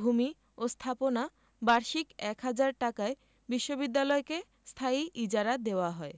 ভূমি ও স্থাপনা বার্ষিক এক হাজার টাকায় বিশ্ববিদ্যালয়কে স্থায়ী ইজারা দেওয়া হয়